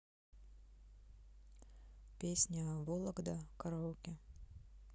песня вологда караоке